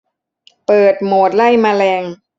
เปิดโหมดไล่แมลง